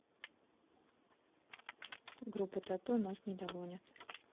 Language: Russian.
группа тату нас не догонят